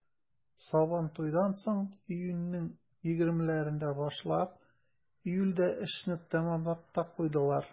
Сабантуйдан соң, июньнең 20-ләрендә башлап, июльдә эшне тәмамлап та куйдылар.